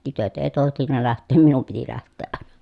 tytöt ei tohtinut lähteä minun piti lähteä aina